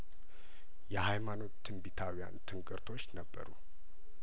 የሀይማኖትትን ቢታውያን ትንግርቶች ነበሩ